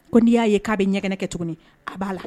Ko n'i y'a ye k'a bɛ ɲɛgɛnɛnɛ kɛ tuguni a b'a la